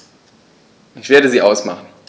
Ich werde sie ausmachen.